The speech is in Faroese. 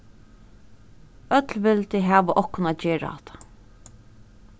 øll vildu hava okkum at gera hatta